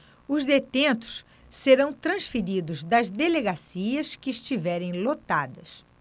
os detentos serão transferidos das delegacias que estiverem lotadas